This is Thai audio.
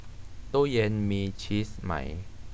ตู้เย็็นมีชีสไหม